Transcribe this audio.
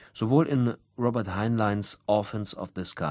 Sowohl in Robert Heinleins „ Orphans of the Sky